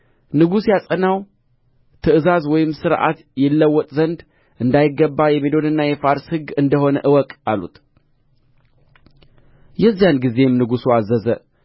ንጉሡ ያጸናው ትእዛዝ ወይም ሥርዓት ይለወጥ ዘንድ እንዳይገባ የሜዶንና የፋርስ ሕግ እንደ ሆነ እወቅ አሉት የዚያን ጊዜም ንጉሡ አዘዘ